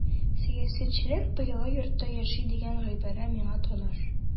Сәясәтчеләр пыяла йортта яши дигән гыйбарә миңа таныш.